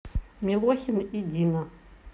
милохин и дина